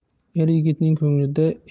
er yigitning ko'nglida